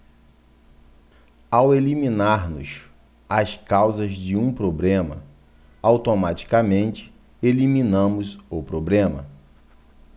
ao eliminarmos as causas de um problema automaticamente eliminamos o problema